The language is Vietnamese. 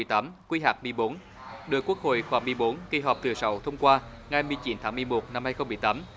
tám quy hắt mười bốn được quốc hội khóa mươi bốn kỳ họp thứ sáu thông qua ngày mười chín tháng mười một năm hai không mười tám